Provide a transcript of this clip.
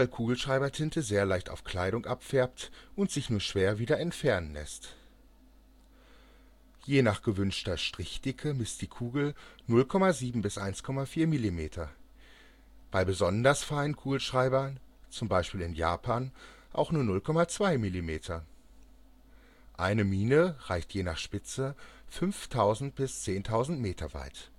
Kugelschreibertinte sehr leicht auf Kleidung abfärbt und sich nur schwer wieder entfernen lässt. Je nach gewünschter Strichdicke misst die Kugel 0,7 bis 1,4 Millimeter, bei besonders feinen Kugelschreibern, zum Beispiel in Japan, auch nur 0,2 Millimeter. Eine Mine reicht je nach Spitze 5000 bis 10000 Meter weit